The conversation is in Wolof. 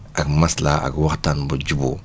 ak maslaa ak waxtaan ba jubóo